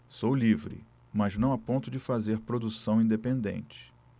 sou livre mas não a ponto de fazer produção independente